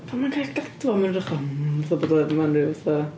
Pan ma'n cau llygadau fo ma'n edrych fatha ymm, fatha bod o mewn ryw fatha...